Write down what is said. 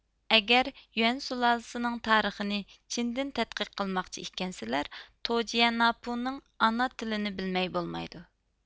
ئەگەر يۈەن سۇلالىسىنىڭ تارىخىنى چىندىن تەتقىق قىلماقچى ئىكەنسىلەر توجيەناپۇنىڭ ئانا تىلىنى بىلمەي بولمايدۇ